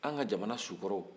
anw ka jamana sukɔrɔw